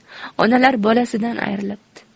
onalar bolasidan ayrilibdi